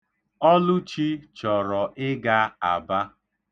Ọlụchi chọrọ ịga Aba.